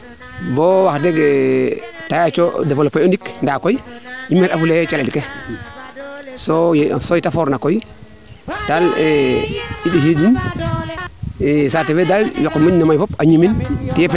bo wax deg te yaaco developper o ɗik i mer'a fule calel ke so yeete fort na koy ka i mbisiidin saate fe daal yoq we ndefna mene fop ñimuna